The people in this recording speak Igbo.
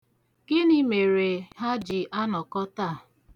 Gịnị mere ha ji anọkọ taa?